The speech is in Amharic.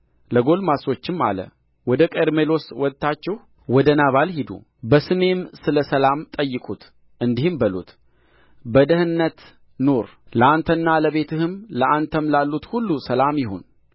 ለጕልማሶችም አለ ወደ ቀርሜሎስ ወጥታችሁ ወደ ናባል ሂዱ በስሜም ስለ ሰላም ጠይቁት እንዲህም በሉት በደኅንነት ኑር ለአንተና ለቤትህም ለአንተም ላሉት ሁሉ ሰላም ይሁን